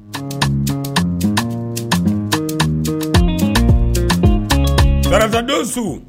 Bakarijandon su